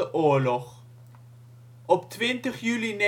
Op 20 juli 1988